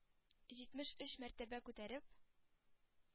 Җитмеш өч мәртәбә күтәреп,